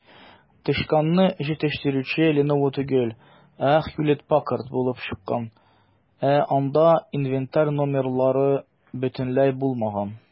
Тычканны җитештерүче "Леново" түгел, ә "Хьюлетт-Паккард" булып чыккан, ә анда инвентарь номерлары бөтенләй булмаган.